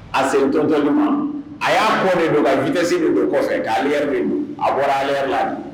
A sentɔntɔ a y'a bɔ de don ka vse don bɛ kɔfɛ k'ale yɛrɛ don a bɔra ale yɛrɛ la